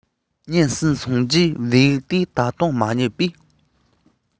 ཉིན གསུམ སོང རྗེས བེའུ ད དུང མ རྙེད པས